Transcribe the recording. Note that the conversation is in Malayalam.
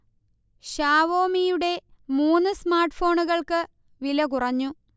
ഷാവോമിയുടെ മൂന്ന് സ്മാർട്ഫോണുകൾക്ക് വില കുറഞ്ഞു